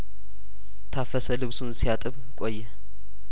ታፈሰ ልብሱን ሲያጥብ ቆየ